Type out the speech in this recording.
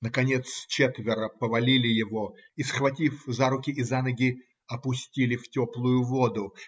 наконец четверо повалили его, и, схватив за руки и за ноги, опустили в теплую воду.